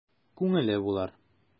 Күңеле булыр...